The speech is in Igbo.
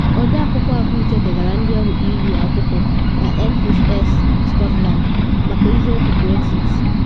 Ọde Akwụkwọ Ahụike degara ndị ọrụ EU akwụkwọ na NHS Scotland maka ihe egwu Brexit